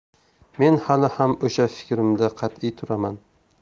men hali ham o'sha fikrimda qat'iy turaman